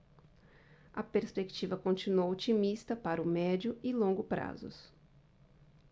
a perspectiva continua otimista para o médio e longo prazos